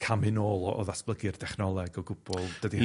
camu nôl o o ddatblygu'r dechnoleg o gwbwl 'dan ni